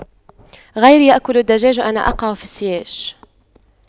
غيري يأكل الدجاج وأنا أقع في السياج